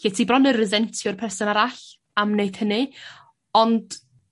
lle ti bron y' resentio'r person arall am neud hynny ond